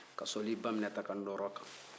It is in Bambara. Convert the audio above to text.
ka sɔli baminata ka nɔɔrɔ kan